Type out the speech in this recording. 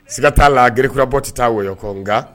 Siga t'a la gerekurabɔ tɛ taa wɔyɔ kɔ nka